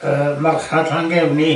yy marchnad Llangefni.